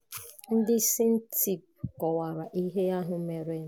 Ndị SNTP kọkwara ihe ahụ merenụ: